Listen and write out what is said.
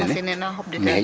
Machine ne na xobditel?